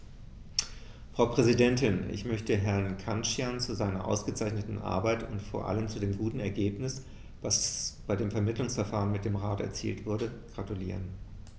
Frau Präsidentin, ich möchte Herrn Cancian zu seiner ausgezeichneten Arbeit und vor allem zu dem guten Ergebnis, das bei dem Vermittlungsverfahren mit dem Rat erzielt wurde, gratulieren.